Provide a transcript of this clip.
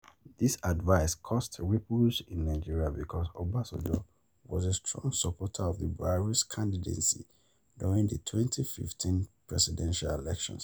This advice caused ripples in Nigeria because Obasanjo was a strong supporter of the Buhari’s candidacy during the 2015 presidential elections.